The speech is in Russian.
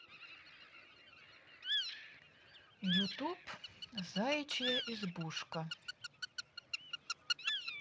ютуб заячья избушка